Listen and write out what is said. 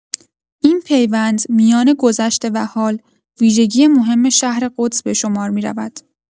این پیوند میان گذشته و حال، ویژگی مهم شهر قدس به شمار می‌رود.